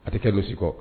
A tɛ kɛ misi kɔ